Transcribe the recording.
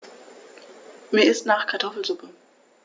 Mir ist nach Kartoffelsuppe.